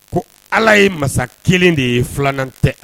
Ko ala ye masa kelen de ye filan tɛ